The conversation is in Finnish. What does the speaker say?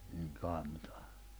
niin kai mutta